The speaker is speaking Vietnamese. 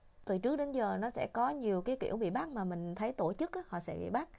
từ trước đến giờ nó sẽ có nhiều cái kiểu bị bắt mà mình thấy tổ chức ý họ sẽ bị bắt